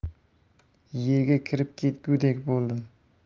yerga kirib ketgudek bo'ldim